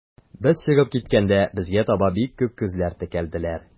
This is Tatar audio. Без чыгып киткәндә, безгә таба бик күп күзләр текәлделәр.